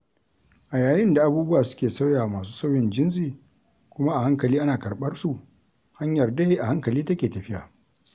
A yayin da abubuwa suke sauyawa masu sauyin jinsi, kuma a hankali ana karɓar su, hanyar dai a hankali take tafiya.